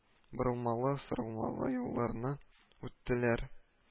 Борылмалы-сырылмалы юлларны үттеләр